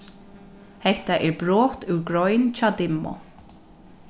hetta er brot úr grein hjá dimmu